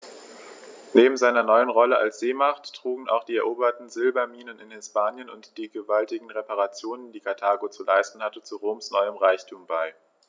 Neben seiner neuen Rolle als Seemacht trugen auch die eroberten Silberminen in Hispanien und die gewaltigen Reparationen, die Karthago zu leisten hatte, zu Roms neuem Reichtum bei.